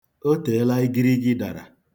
O teela igirigi dara.